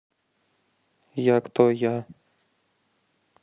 я кто я